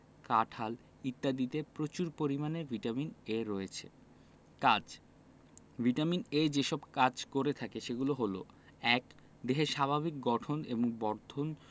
কাঁঠাল ইত্যাদিতে প্রচুর পরিমানে ভিটামিন A রয়েছে কাজ ভিটামিন A যেসব কাজ করে থাকে সেগুলো হলো ১ দেহের স্বাভাবিক গঠন এবং বর্ধন